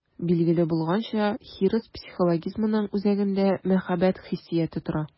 Билгеле булганча, хирыс психологизмының үзәгендә мәхәббәт хиссияте тора.